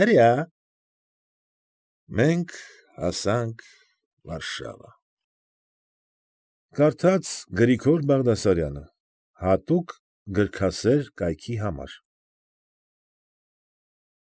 Հրեա… Մենք հասանք Վարշավա… Կարդաց Գրիգոր Բաղդասարյանը, հատուկ գրքասեր կայքի համար։